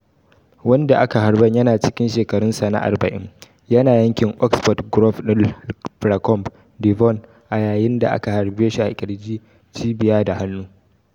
Wanda aka harban, yana cikin shekarunsa na 40, yana yankin Oxford Grove din llfracombe, Devon, a yayin da aka harbe shi a kirji, cibiya da hannu.